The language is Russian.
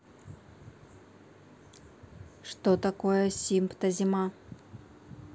что такое симпозима